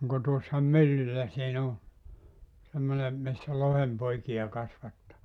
niin kuin tuossa myllyllä siinä on semmoinen missä lohenpoikia kasvatetaan